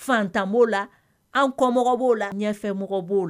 Fantan b'o la an kɔmɔgɔw b'o la ɲɛfɛmɔgɔ b'o la